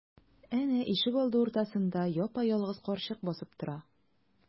Әнә, ишегалды уртасында япа-ялгыз карчык басып тора.